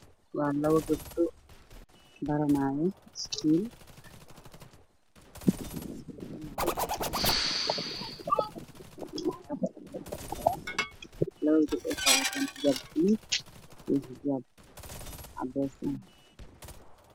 Waa laba gabdhood fadhiya meel waxay wataan xijaab lalkiisa yahay caddeys buluuqdaa ka dambeeyo waa guduud